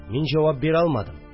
Мин җавап бирә алмадым